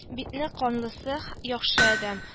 — бите канлысы яхшы адәм